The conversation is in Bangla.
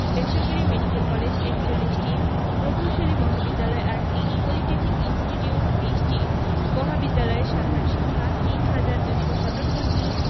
বেসরকারি মেডিকেল কলেজ ৪১টি প্রকৌশল মহাবিদ্যালয় ৮টি পলিটেকনিক ইনস্টিটিউট ২০টি মহাবিদ্যালয় সাধারণ শিক্ষা ৩হাজার ২৭৭টি